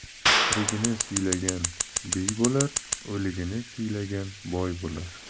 tirigini siylagan biy bo'lar o'ligini siylagan boy bo'lar